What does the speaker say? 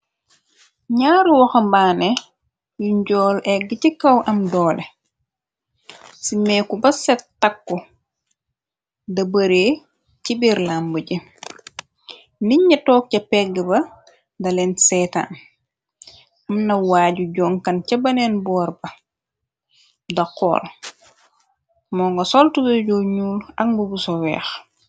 Nyaaru woxa mbaane yu njool egg ci kaw am doole si meeku. Ba set takku da bëree ci biir làmbu ji nit ña toog ca pegg ba daleen seetan. Amna waaju jonkan ca baneen boor ba da xool. Moo nga soltuda jo ñuul akmg bu su weex.